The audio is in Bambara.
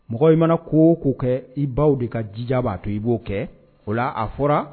Mɔgɔ in mana ko' k'o kɛ i baw de ka jija'a to i b'o kɛ o la a fɔra